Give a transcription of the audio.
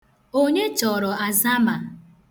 Onye chọrọ azama?